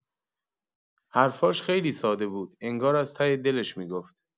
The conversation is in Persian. حرفاش خیلی ساده بود، انگار از ته دلش می‌گفت.